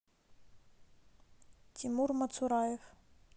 тимур мацураев